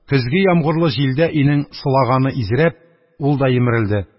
Көзге ягъмурлы җилдә өйнең сылаганы изрәп, ул да йимерелде.